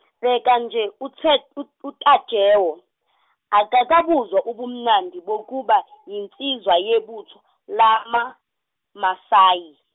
bheka nje uthe ut- uTajewo akakabuzwa ubumnandi bokuba yinsizwa yebutho lamaMasayi.